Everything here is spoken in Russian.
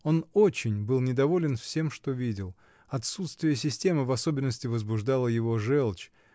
он очень был недоволен всем, что видел, -- отсутствие системы в особенности возбуждало его желчь.